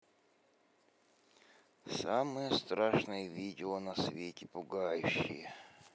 самые страшные видео на свете пугающие